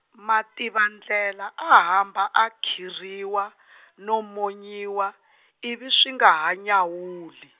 Mativandlela a hamba a khirhiwa , no monyiwa, ivi swi nga ha nyawuli.